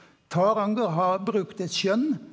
Taranger har brukt eit skjønn.